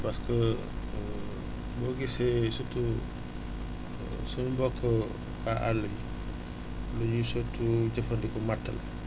parce que boo gisee surtout suñu mbokk waa àll bi lu ñuy surtout jëfandiku matt la